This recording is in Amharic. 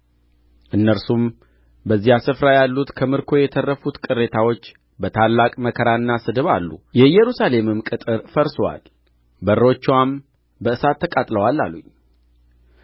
እነርሱም በዚያ ስፍራ ያሉት ከምርኮ የተረፉት ቅሬታዎች በታላቅ መከራና ስድብ አሉ የኢየሩሳሌምም ቅጥር ፈርሶአል በሮችዋም በእሳት ተቃጥለዋል አሉኝ